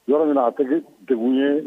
Yɔrɔ min a tɛ dekun ye